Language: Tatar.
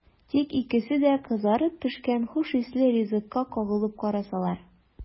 Тик икесе дә кызарып пешкән хуш исле ризыкка кагылып карасалар!